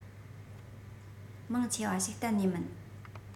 མང ཆེ བ ཞིག གཏན ནས མིན